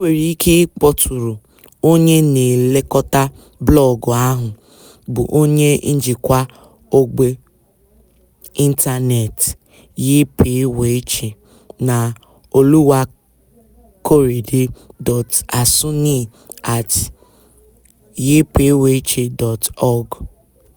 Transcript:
E nwere ike ịkpọtụrụ Onye na-elekọta blọọgụ ahụ bụ Onye Njikwa Ogbe Ịntanet YPWC na Oluwakorede.Asuni@ypwc.org